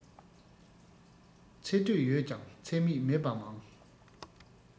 ཚེ སྟོད ཡོད ཀྱང ཚེ སྨད མེད པ མང